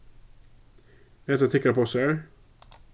eru hatta tykkara posar